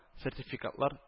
Сертификатлар